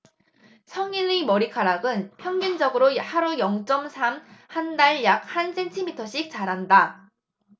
성인의 머리카락은 평균적으로 하루 영 쩜 삼 한 달 약 한 센티미터씩 자란다